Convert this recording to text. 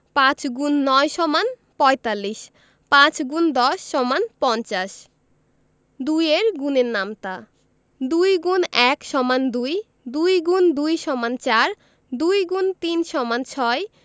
৫x ৯ = ৪৫ ৫×১০ = ২০ ২ এর গুণের নামতা ২ X ১ = ২ ২ X ২ = ৪ ২ X ৩ = ৬